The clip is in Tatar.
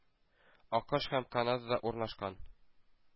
Акыш һәм канадада урнашкан,